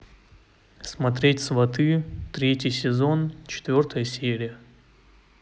смотреть сваты третий сезон четвертая серия